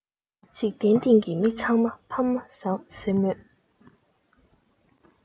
འཇིག རྟེན སྟེང གི མི ཚང མ ཕ མ བཟང ཟེར མོད